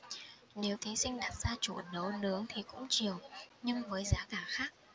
nếu thí sinh đặt gia chủ nấu nướng thì cũng chiều nhưng với giá cả khác